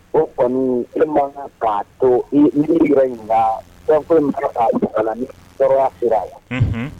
O kɔni ne mana k'a to i i yɔrɔ in la mana'a kɔnɔ ni bɔra sira la